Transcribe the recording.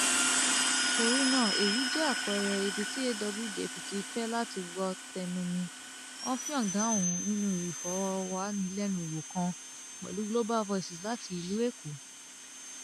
Torí náà èyí jẹ́ àpẹẹrẹ ibi tí AWJP ti fẹ́ láti gbọ́ tẹnu mi," Offiong dáhùn nínú ìfọ̀rọ̀wánilẹ́nuwò kan pẹ̀lú Global Voices láti ìlú Èkó.